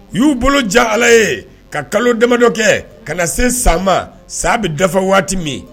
U y'u bolo jan Ala ye ka kalo damadɔ kɛ, ka na se san ma, san bɛ dafa waati min